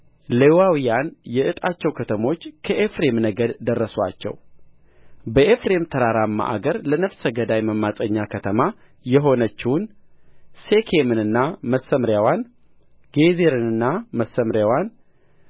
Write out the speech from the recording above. ሌዋውያን የዕጣቸው ከተሞች ከኤፍሬም ነገድ ደረሱአቸው በኤፍሬም ተራራማ አገር ለነፍሰ ገዳይ መማፀኛ ከተማ የሆነችውን ሴኬምንና መሰምርያዋን ጌዝርንና መሰምርያዋን